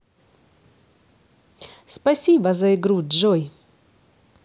спасибо за игру джой